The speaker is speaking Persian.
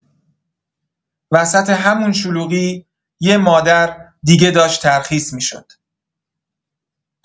وسط همون شلوغی، یه مادر دیگه داشت ترخیص می‌شد.